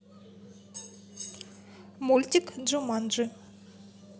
мультик джуманджи